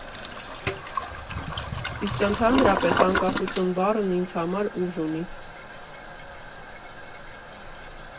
Իսկ ընդհանրապես, անկախություն բառն ինձ համար ուժ ունի.